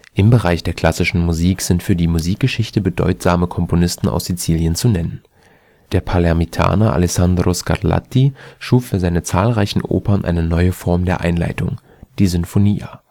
Im Bereich der klassischen Musik sind zwei für die Musikgeschichte bedeutsame Komponisten aus Sizilien zu nennen. Der Palermitaner Alessandro Scarlatti schuf für seine zahlreichen Opern eine neue Form der Einleitung, die Sinfonia